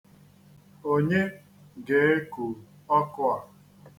Onye ga-eku ọkụ a?